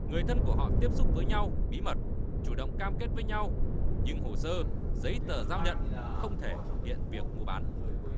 người thân của họ tiếp xúc với nhau bí mật chủ động cam kết với nhau nhưng hồ sơ giấy tờ giao nhận không thể hiện việc mua bán